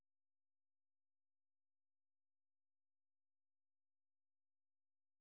сваты шестой сезон